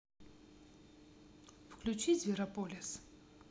включи зверополис